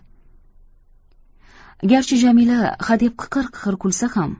garchi jamila hadeb qiqir qiqir kulsa ham